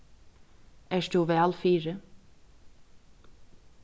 ert tú væl fyri